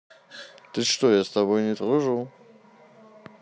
ты что я с тобой не дружу